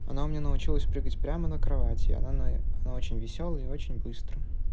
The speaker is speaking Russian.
она у меня научилась прыгать прямо на кровати она очень веселая и очень быстро